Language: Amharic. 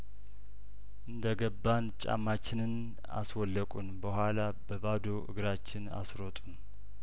እንደገባን ጫማችንን አስወለቁን በኋላ በባዶ እግራችን አስሮጡን